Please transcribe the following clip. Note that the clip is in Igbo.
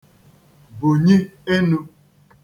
bùnyi enu